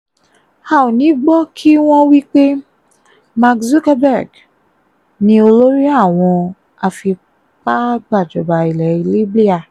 A ò ní gbọ́ kí wọ́n wí pé: "Mark Zuckerberg ni olórí àwọn afipágbàjọba ilẹ̀ Libya"